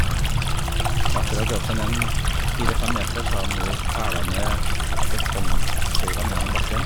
Og etter å ha gravd seg ned en f fire fem meter så har dem nå pæla ned betongsøyler ned gjennom bakken.